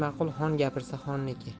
ma'qul xon gapirsa xonniki